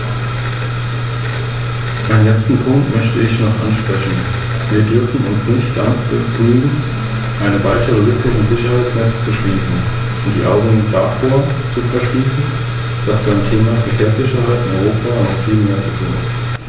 Deshalb schlagen meine Fraktion und ich drei wichtige Änderungen und Zusätze vor, mit denen wir den Vorschlag in keiner Weise verwässern, sondern mit denen wir seine Relevanz für diejenigen, denen er als Anleitung dienen soll, erhöhen wollen.